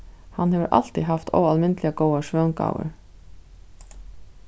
hann hevur altíð havt óalmindiliga góðar svøvngávur